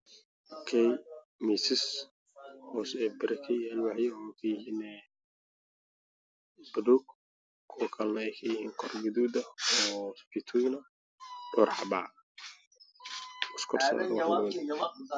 Waa qol waxaa yaalo miis aada u dheer iyo kuraas midow iyo qaxo isku jira ah darbiga waa midow